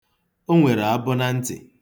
O nwere abụ na ntị.